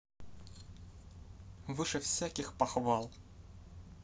выше всяких похвал